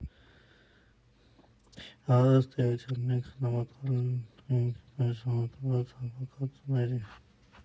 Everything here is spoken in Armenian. Հա, ըստ էության, մենք խնամակալն ենք մեզ հանձնված հավաքածուների։